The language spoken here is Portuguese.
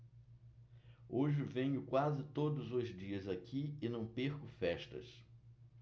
hoje venho quase todos os dias aqui e não perco festas